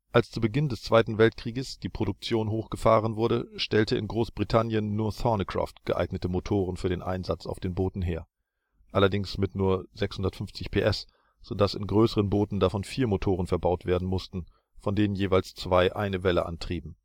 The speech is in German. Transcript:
Als zu Beginn des Zweiten Weltkrieges die Produktion hochgefahren wurde, stellte in Großbritannien nur Thornycroft geeignete Motoren für den Einsatz auf den Booten her. Allerdings mit nur 650 PS, so dass in größeren Booten davon vier Motoren verbaut werden mussten, von denen jeweils zwei eine Welle antrieben